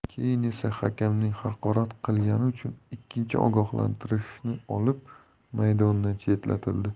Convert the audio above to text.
keyin esa hakamni haqorat qilgani uchun ikkinchi ogohlantirishni olib maydondan chetlatildi